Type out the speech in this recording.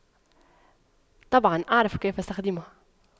طبعا أعرف كيف أستخدمه